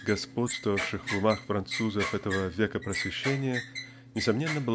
господствовавших в умах французов этого века просвещения несомненно